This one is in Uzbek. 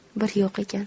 bir yo'q ekan